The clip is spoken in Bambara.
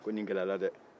ko nin gɛlɛyara dɛ